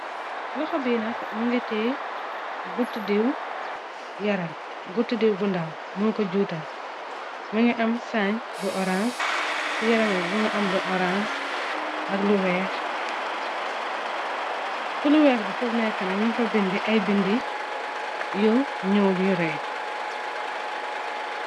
loxou be nak muge teye gotou deewe yaram gotou deew bu ndàw mug ko juutal muge am saañ bu orance ci yaramam be muge am lu orance ak lu weex se lu weex fum nekk nak ñug fa bindi ay bindi yu nuul yu raye.